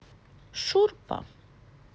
шурпа